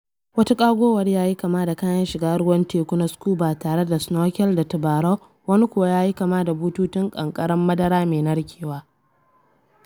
Wata ƙagowar ya yi kama da kayan shiga ruwan teku na scuba tare da snorkel da tubarau, wani kuwa ya yi kama da bututun ƙanƙarar madara mai narkewa.